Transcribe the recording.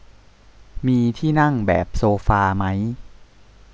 มีที่นั่งแบบโซฟามั้ย